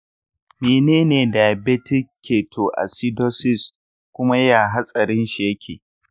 mene ne diabetic ketoacidosis kuma ya hatsarin shi yake?